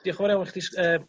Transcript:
diolch yn fawr iawn i chdi yy